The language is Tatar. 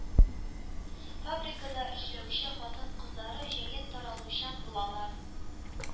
Фабрикада эшләүче хатын-кызлары җәен таралучан булалар.